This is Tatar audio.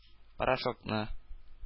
Порошокны